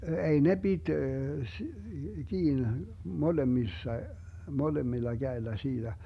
ei ne piti - kiinni molemmissa molemmilla kädellä siitä